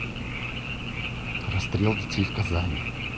расстрел детей в казани